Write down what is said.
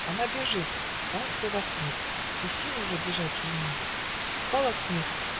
Она бежит, он все вослед, И сил уже бежать ей нет. Упала в снег